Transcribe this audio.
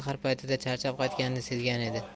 sahar paytida charchab qaytganini sezgan edi